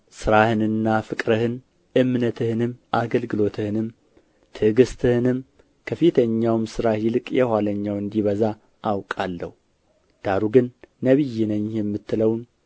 ሥራህንና ፍቅርህን እምነትህንም አገልግሎትህንም ትዕግሥትህንም ከፊተኛውም ሥራህ ይልቅ የኋለኛው እንዲበዛ አውቃለሁ ዳሩ ግን ነቢይ ነኝ የምትለውን